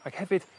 ac hefyd